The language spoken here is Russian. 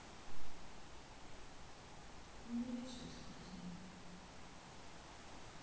убери все из корзины